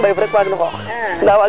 i soƴ ke a taɗa ke